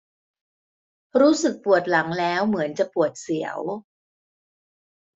รู้สึกปวดหลังแล้วเหมือนจะปวดเสียว